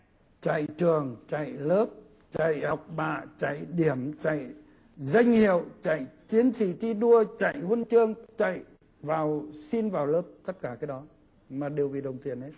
chạy trường chạy lớp chạy học bạ chạy điểm chạy danh hiệu chạy chiến sĩ thi đua chạy huân chương chạy vào xin vào lớp tất cả cái đó mà đều vì đồng tiền hết